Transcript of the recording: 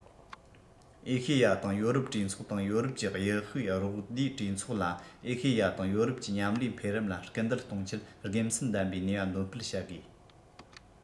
ཨེ ཤེ ཡ དང ཡོ རོབ གྲོས ཚོགས དང ཡོ རོབ ཀྱི དབྱི ཧུའེ རོགས ཟླའི གྲོས ཚོགས ལ ཨེ ཤེ ཡ དང ཡོ རོབ ཀྱི མཉམ ལས འཕེལ རིམ ལ སྐུལ འདེད གཏོང ཆེད དགེ མཚན ལྡན པའི ནུས པ འདོན སྤེལ བྱ དགོས